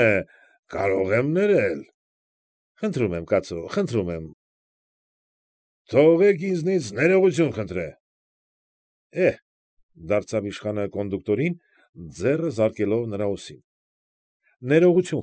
Է, կարող եմ ներել… ֊ Խնդրում եմ, կացո՛, խնդրում եմ, վա՜… ֊ Թողեք ինձնից ներողություն խնդրե… ֊ Է՜հ,֊ դարձավ իշխանը կոնդուկտորին, ձեռը զարկելով նրա ուսին,֊ ներողություն։